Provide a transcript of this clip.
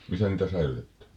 missä niitä säilytetään